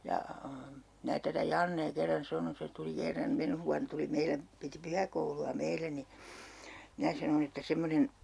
ja minä tätä Jannea kerran sanoin se tuli kerran menneenä vuonna tuli meille piti pyhäkoulua meillä niin minä sanoin että semmoinen